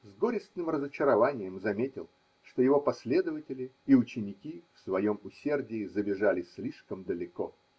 с горестным разочарованием заметил, что его последователи и ученики в своем усердии забежали слишком далеко.